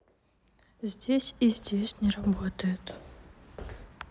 здесь и здесь не работает